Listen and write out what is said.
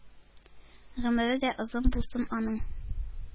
Гомере дә озын булсын аның,